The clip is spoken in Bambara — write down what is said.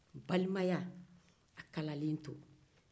balimaya kalalen to